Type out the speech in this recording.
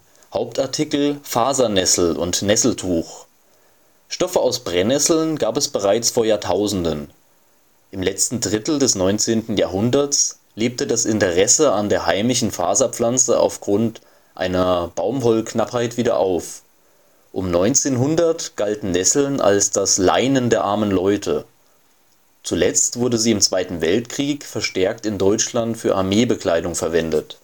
Hauptartikel: Fasernessel und Nesseltuch Stoffe aus Brennnesseln gab es bereits vor Jahrtausenden. Im letzten Drittel des 19. Jahrhunderts lebte das Interesse an der heimischen Faserpflanze aufgrund einer Baumwollknappheit wieder auf. Um 1900 galt Nessel als das „ Leinen der armen Leute “. Zuletzt wurde sie im Zweiten Weltkrieg verstärkt in Deutschland für Armee-Bekleidung verwendet